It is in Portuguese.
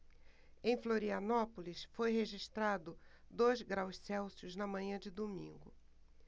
em florianópolis foi registrado dois graus celsius na manhã de domingo